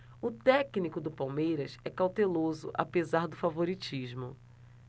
o técnico do palmeiras é cauteloso apesar do favoritismo